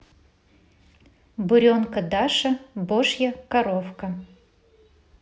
буренка даша божья коровка